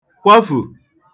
kwafù